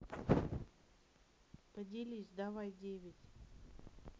поделись давай девять